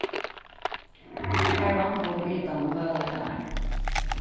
har er vantandi vitan um møguleikarnar